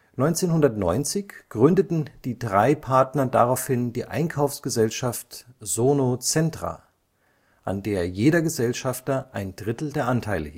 1990 gründeten die drei Partner daraufhin die Einkaufsgesellschaft „ Sono-Centra “, an der jeder Gesellschafter ein Drittel der Anteile